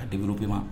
A dibi bɛ ma